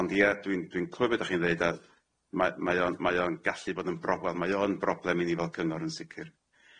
Ond ia dwi'n dwi'n clywed be' dach chi'n ddeud a mae mae o'n mae o'n gallu bod yn bro- wel mae o'n broblem i ni fel cyngor yn sicir.